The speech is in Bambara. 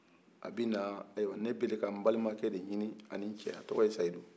ayiwa ne bi ka balimankɛ de ɲini ani cɛ a tɔgɔ ye seyidu